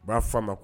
U'a fa ma